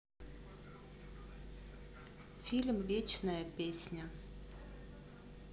фильм вечная песня